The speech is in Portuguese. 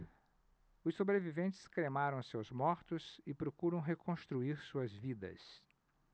os sobreviventes cremaram seus mortos e procuram reconstruir suas vidas